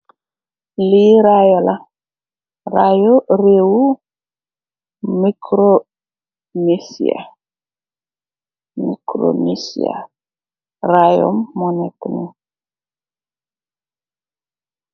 Li raya la, raya reewu Mikronisya.